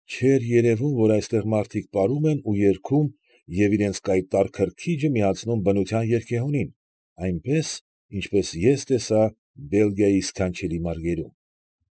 Չէր երևում, որ այստեղ մարդիկ պարում են ու երգում և իրենց կայտառ քրքիջը միացնում բնության երգեհոնին, այնպես, ինչպես ես տեսա Բելգիայի սքանչելի մարգերում։